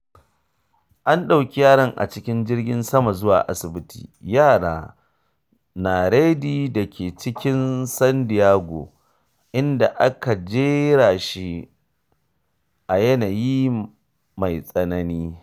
An ɗauki yaron a cikin jirgin sama zuwa Asibitin Yara na Rady da ke cikin San Diego inda aka jera shi a yanayi mai tsanani.